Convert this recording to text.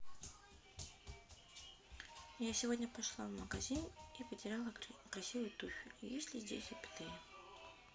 я сегодня пошла в магазин и потеряла красивый туфель есть ли здесь запятые